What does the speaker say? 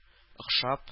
Охшап